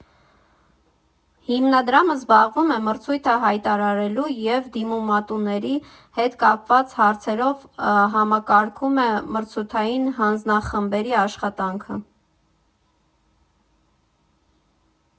Հիմնադրամը զբաղվում է մրցույթը հայտարարելու և դիմումատուների հետ կապված հարցերով, համակարգում է մրցութային հաձնախմբերի աշխատանքը։